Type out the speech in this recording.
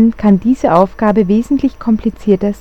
kann diese Aufgabe wesentlich komplizierter